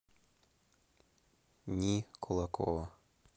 нии кулакова